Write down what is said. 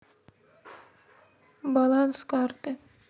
баланс карты